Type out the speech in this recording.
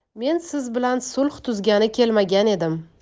men siz bilan sulh tuzgani kelmagan edim